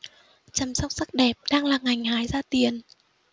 chăm sóc sắc đẹp đang là ngành hái ra tiền